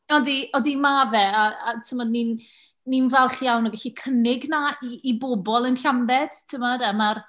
Odi, odi mae fe, a a timod ni'n ni'n falch iawn o gallu cynnig 'na i i bobl yn Llambed, ti'mod a ma'r...